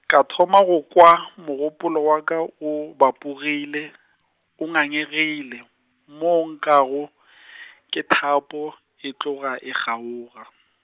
ka thoma go kwa mogopolo wa ka o bapogile, o ngangegile, moo nkwago , ke thapo e tloga e kgaoga.